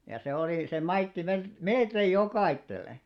ja se oli se maittoi - melkein jokaiselle